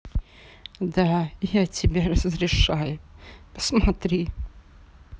да я тебе разрешаю посмотри